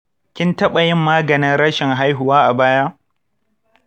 kin taɓa yin maganin rashin haihuwa a baya?